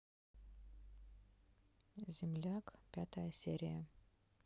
земляк пятая серия